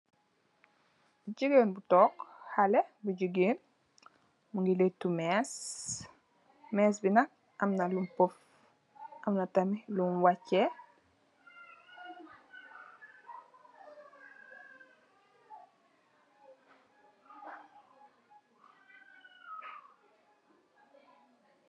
Jegain bu tonke haleh bu jegain muge letou mess mess be nak amna lu puff amna tamin lum wache.